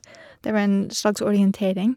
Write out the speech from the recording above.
Det var en slags orientering.